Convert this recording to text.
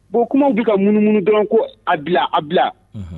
Bon kumaw bɛ ka munumunu dɔrɔn ko, a bila a bila